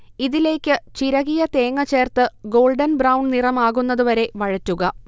ഇതിലേക്ക് ചിരകിയ തേങ്ങ ചേർത്ത് ഗോൾഡൻ ബ്രൗൺ നിറമാകുന്നതുവരെ വഴറ്റുക